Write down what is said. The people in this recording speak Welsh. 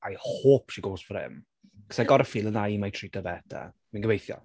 I hope she goes for him, 'cause I've got a feeling he might treat her better. Dwi'n gobeithio.